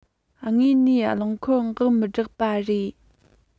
དངོས ནས རླངས འཁོར འགག མི སྐྲག པ རེད